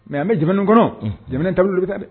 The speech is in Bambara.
Mɛ an bɛ jamana kɔnɔ jamana taabololuta dɛ